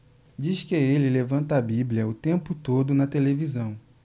diz que ele levanta a bíblia o tempo todo na televisão